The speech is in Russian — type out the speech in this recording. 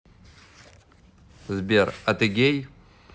сбер а ты гей